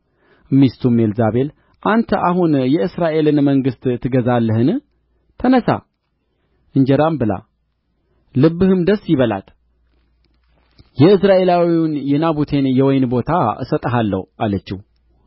ሚስቱም ኤልዛቤል አንተ አሁን የእስራኤልን መንግሥት ትገዛለህን ተነሣ እንጀራም ብላ ልብህም ደስ ይበላት የኢይዝራኤላዊውን የናቡቴን የወይን ቦታ እሰጥሃለሁ አለችው